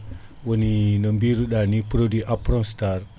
woni no biiruɗa ni produit Aprostar